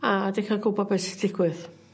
A 'di ca'l gwbod be sy digwydd.